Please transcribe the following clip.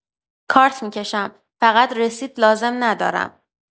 کارت می‌کشم، فقط رسید لازم ندارم.